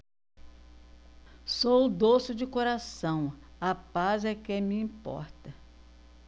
sou doce de coração a paz é que me importa